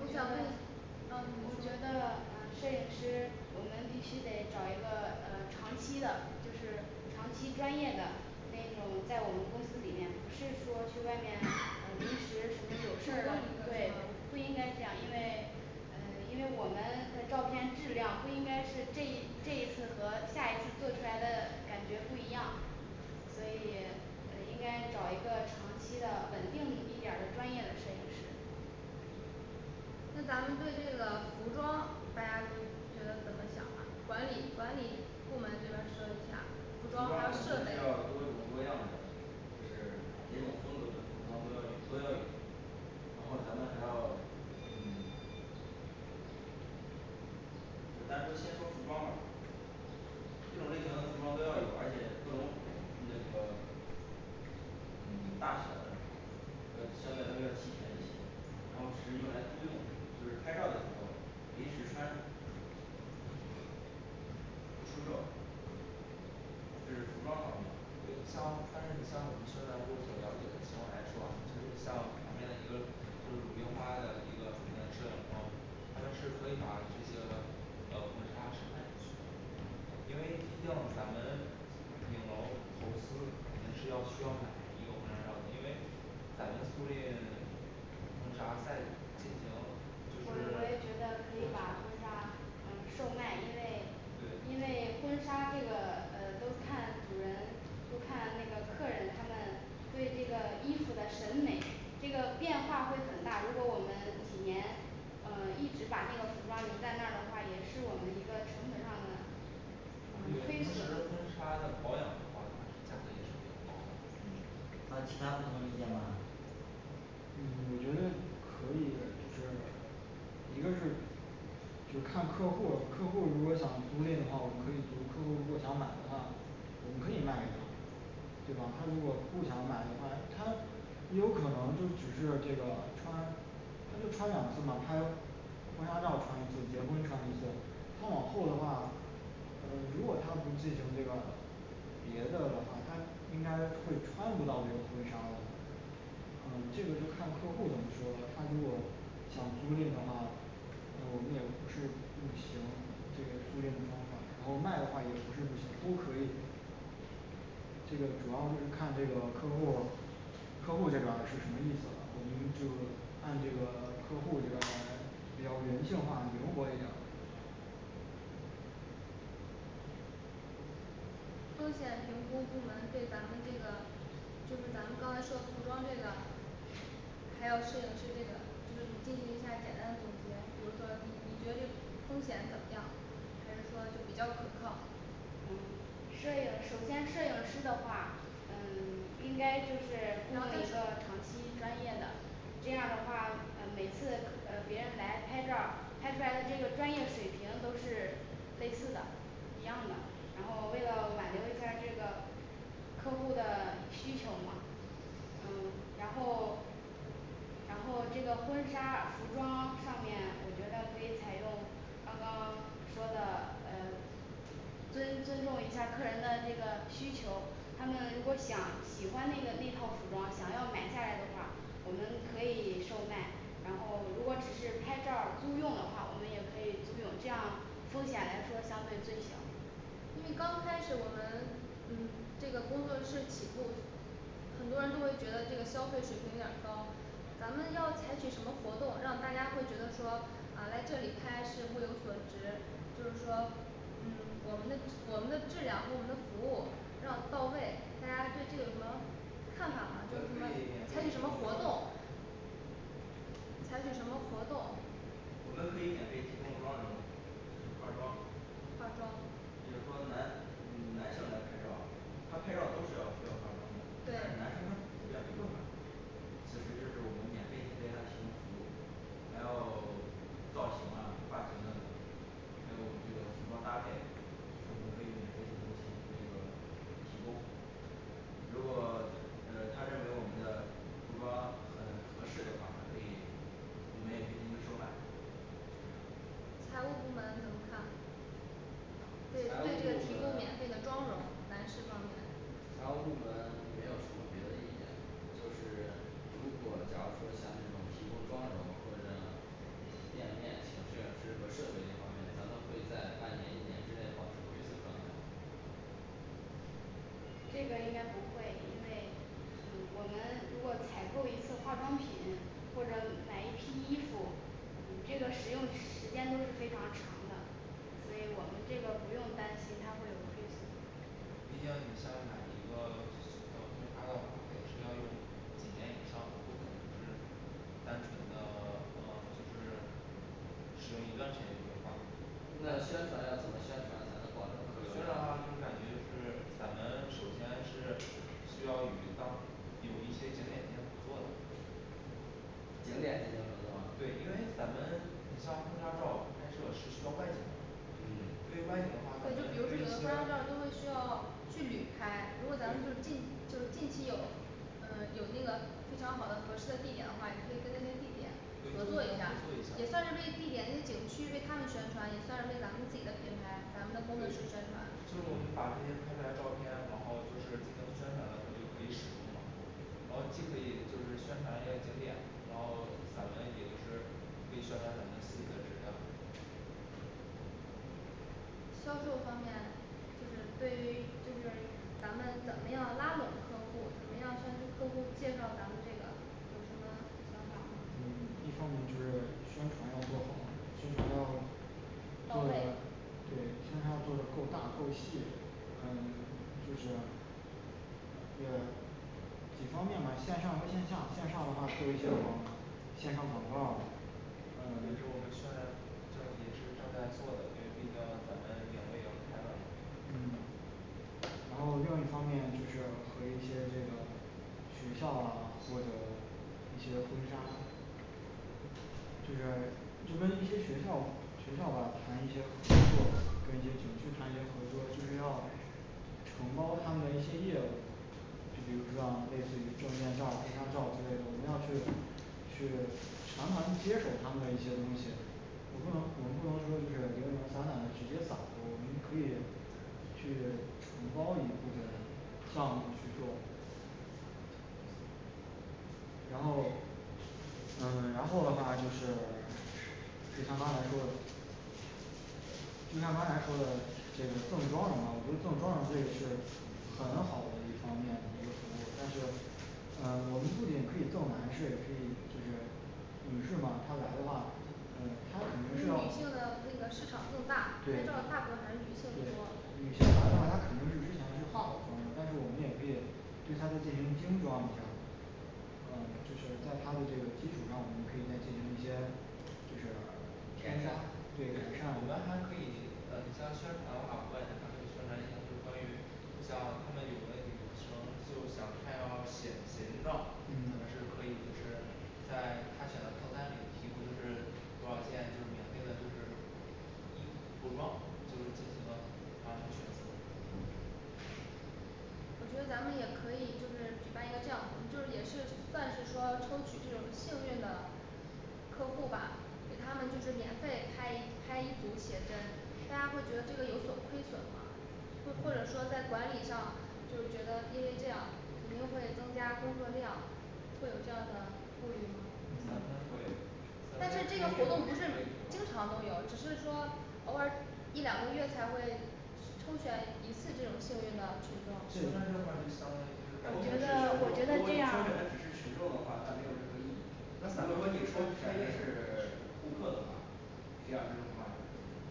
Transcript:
我我觉想问你得啊你我说觉得啊摄影师我们必须得找一个呃长期的就是长期专业的那种，在我们公司里面不是说去外面呃临时什么有事的，对。不不应该这样因为嗯因为我们的照片质量不应该是这这一次和下一次做出来的感觉不一样所以呃应该找一个长期的稳定一点儿的专业的摄影师那咱们对这个服装大家都觉得怎么想啊管理管理部门这边儿说一下，服服装装肯还有定是需设计要多种多样的，就是哪种风格的服装都要有都要有然后咱们还要嗯就咱们就先说服装嘛各种类型的服装都要有，而且各种那个 嗯大小的要相对来说要齐全一些，然后只是用来租用，就是拍照的时候临时穿出售这是服装方对面像但是你像我们宣传部所了解的情况来说啊，就是你像旁边的一个就是鲁冰花的一个品牌摄影楼，他们是可以把这些呃婚纱是卖出去的因为毕竟咱们影楼投资肯定是要需要买一个婚纱照的，因为咱们租赁 婚纱再进行我就是我也觉得可以把婚纱嗯售卖，因为对因为婚纱这个呃都看主人，都看那个客人，他们对这个衣服的审美这个变化会很大，如果我们几年呃一直把那个服装留在那儿的话，也是我们一个成本上的对嗯飞同时驰婚纱的保养的话，它是价格也是比较高的。嗯还有其他不同意见吗嗯我觉得。可以就是一个是就看客户儿，客户儿如果想租赁的话，我们可以给客户儿想买的话，我们可以卖给她对吧？他如果不想买的话，他就有可能就只是这个他他就穿两次嘛他他说那我就结婚穿一次再往后的话呃如果她不自己买别的的话他就应该是穿不到我们婚纱的嗯这个是看客户儿怎么说，他如果想租赁的话我们也不是预期租租赁的方法，然后卖的话也不是不行都可以的这个主要就是看这个客户儿客户这边儿是什么意思？我们就按这个客户儿就是来比较人性化的灵活一点儿。风险评估部门对咱们这个就是咱们刚才说的服装这边儿还有摄影师这边儿就是你进行一下儿简单的总结比如说你觉得风险怎么样啊？还是说就比较可靠嗯摄影首先摄影师的话嗯应该就是雇咱佣一们个长期专业的，这样的话呃每次客呃别人来拍照儿拍出来的这个专业水平都是类似的一样的。然后为了挽留一下儿这个客户儿的需求嘛嗯然后 然后这个婚纱服装上面我觉得可以采用刚刚说的呃尊尊重一下儿客人的这个需求，他们如果想喜欢那个那套服装想要买下来的话，我们可以售卖，然后如果只是拍照儿租用的话，我们也可以租用这样风险来说相对最小。因为刚开始我们嗯这个工作室起步很多人都会觉得这个消费水平有点儿高，咱们要采取什么活动让大家会觉得说啊在这里拍是物有所值就是说嗯我们的我们的质量和我们的服务一定要到位，大家对这个有什么看法我们吗就可是说以免采费取提什么供活妆容动采取什么活动我们可以免费提供妆容，就是化妆、化妆比如说男嗯男性来拍照吧他拍照都是要需要化妆的，但是男生对他也不会化妆此时就是我们免费为他提供服务。还有造型啊发型还有这个服装搭配，是我们可以免费进行提那个提供如果呃他认为我们的服装很合适的话就可以我们也进行一个售卖这样财务部门儿怎么看对财对务这个部提供门免费的妆容男士方面财务部门没有什么别的意见。就是如果假如说像这种提供妆容或者店面请摄影师和设备这方面，咱们会在半年一年之内保持亏损状态这个应该不会，因为嗯我们如果采购一次化妆品或者买一批衣服嗯这个使用时间都是非常长的，所以我们这个不用担心他会有亏损毕竟你像买一个呃婚纱的话也是要用几年以上的不可能就是单纯的呃就是使用一段时间就会换那宣传要怎么宣传才能保证宣传客流的量话，就是感觉就是咱们首先是需要与当有一些景点进行合作的景点进行合作吗对，因为咱们你像婚纱照拍摄是需要外景的嗯对于外景的话，咱们就是有对有一些对都是需要去旅拍，如果咱们就对近就是近期有嗯有那个非常好的合适的地点的话也可以跟地点对跟合他合作作一一下，下儿也算是地点的景区为他们宣传，也算是咱们自己的品牌咱们的工作对室宣传就我们把嗯这些拍出来照片，然后就是进行宣传的时候就可以使用了然后既可以就是宣传人家景点，然后咱们也就是可以宣传咱们自己的质量。销售方面就是对于就是咱们怎么样拉拢客户，怎么样让客户介绍咱们这个有什么方法嗯方法就是宣传要做好宣传要到做的位对他要做的够大够细致。嗯是这样的这个几方面嘛线上和线下，线上的话做一些广线上广告也嗯是我们算正也是正在做的，因为毕竟咱们影楼也要开了嘛嗯然后政治方面一个是和一些这种学校啊或者结婚婚纱就是就跟一些学校嘛学校嘛谈一些合作跟一些景区谈一些合作就是要承包他们的一些业务去让我们类似于婚纱照婚纱照这一类我们要去去全盘接手他们的一些东西也不能也不能就是零零散散的直接把我们可以去承包一部分项目去做然后嗯然后的话就是适当的就听他刚才说的这个赠妆容呢我觉得赠妆容这个是很好的一方面的一个服务，但是呃我觉得重点可以做男士也可以女士女士嘛她来的话，嗯她那肯女定是要性的那个市场更大拍照大多对对对数女士为女性来多的话她肯定是之前是化好妆的但是我们也可以对她进行精妆一下儿嗯就是在他这个基础上我们可以再进行一些就是线上对对改我们还善可以呃像宣传的话惯一下还可以宣传一个就是关于像她们有的女生就想拍套写写真照，我们是嗯可以就是在她选择套餐里提供就是多少件就是免费的就是一服装就是进行他们选择我觉得咱们也可以就是举办一个这样的，就是也是算是说抽取这种幸运的客户吧，给他们就是免费拍一拍一组写真，大家会觉得这个有所亏损吗或或者说在管理上就觉得因为这样肯定会增加工作量会有这样的顾虑吗咱们会咱但们是可以这也个不活动亏不是损嘛经常都有，只是说偶尔一两个月才会抽选一次这种幸运的群众现在这款就相我觉得我如果你抽选的只觉当于就是得这样是群众的儿话那没有任何意义那可如果能说你抽选的是是 顾客的话这样这种方